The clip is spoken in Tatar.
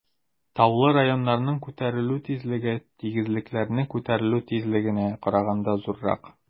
Таулы районнарның күтәрелү тизлеге тигезлекләрнең күтәрелү тизлегенә караганда зуррак.